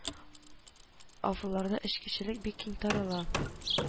Авылларда эчкечелек бик киң тарала